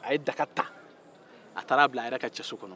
a ye daga ta a taara a bila a yɛrɛ ka cɛso kɔnɔ